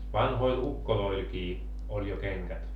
vanhoilla ukoillakin oli jo kengät